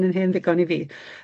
###yn hen ddigon i fi.